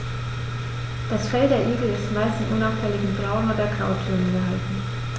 Das Fell der Igel ist meist in unauffälligen Braun- oder Grautönen gehalten.